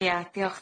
Ie diolch.